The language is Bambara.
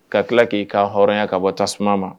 Ka tila k'i ka hɔrɔnya ka bɔ tasuma ma